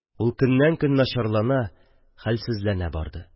Ул көннән-көн начарлана, хәлсезләнә барды.